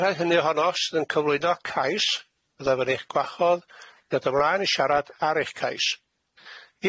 I'r rhai hynny ohonoch sydd yn cyflwyno cais fyddaf yn eich gwahodd i ddod ymlaen i siarad ar eich cais.